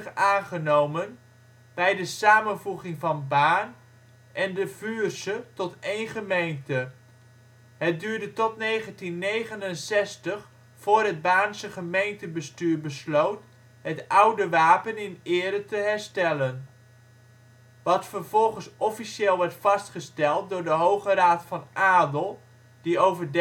1867 aangenomen, bij de samenvoeging van Baarn en de Vuursche tot één gemeente. Het duurde tot 1969 voor het Baarnse gemeentebestuur besloot het oude wapen in ere te herstellen, wat vervolgens officieel werd vastgesteld door de Hoge Raad van Adel, die over